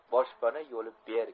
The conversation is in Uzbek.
boshpana yo'li berk